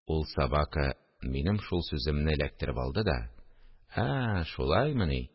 Ул, сабакы, минем шул сүземне эләктереп алды да: – Ә-ә! Шулаймыни